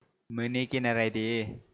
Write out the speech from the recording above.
มื้อนี้กินอะไรดี